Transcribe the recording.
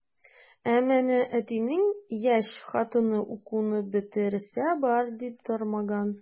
Ә менә әтинең яшь хатыны укуны бетерәсе бар дип тормаган.